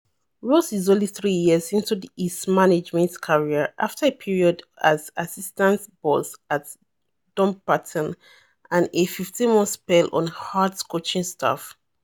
Ross is only three years into his management career, after a period as assistant boss at Dumbarton and a 15-month spell on Hearts' coaching staff.